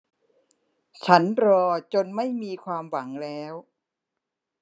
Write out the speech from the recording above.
ฉันรอจนไม่มีความหวังแล้ว